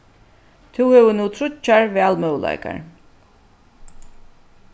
tú hevur nú tríggjar valmøguleikar